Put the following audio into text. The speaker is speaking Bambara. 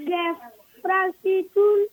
Tile baasitu